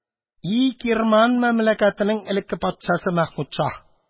И Кирман мәмләкәтнең элекке патшасы Мәхмүд шаһ!